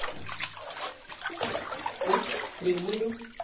упс прибыли